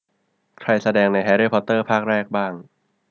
ใครแสดงในเรื่องแฮรี่พอตเตอร์ภาคแรกบ้าง